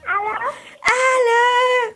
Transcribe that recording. Ɔwɔ tɛ